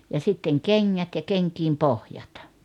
ja sitten kengät ja kenkien pohjat